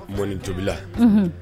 Bonɔni tobi